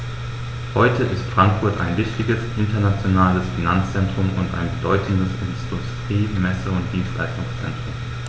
Heute ist Frankfurt ein wichtiges, internationales Finanzzentrum und ein bedeutendes Industrie-, Messe- und Dienstleistungszentrum.